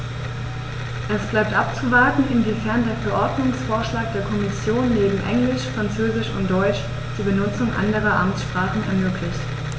Es bleibt abzuwarten, inwiefern der Verordnungsvorschlag der Kommission neben Englisch, Französisch und Deutsch die Benutzung anderer Amtssprachen ermöglicht.